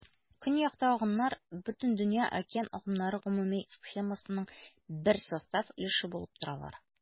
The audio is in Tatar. Көньякта агымнар Бөтендөнья океан агымнары гомуми схемасының бер состав өлеше булып торалар.